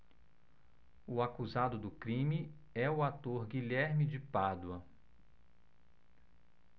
o acusado do crime é o ator guilherme de pádua